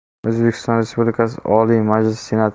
o'zbekiston respublikasi oliy majlisi